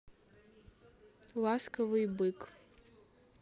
ласковый бык